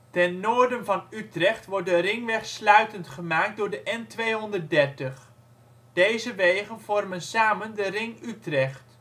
Ten noorden van Utrecht wordt de ringweg sluitend gemaakt door de N230. Deze wegen vormen samen de Ring Utrecht